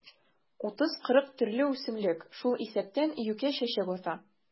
30-40 төрле үсемлек, шул исәптән юкә чәчәк ата.